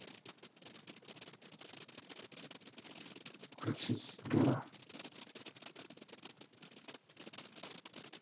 выключись дура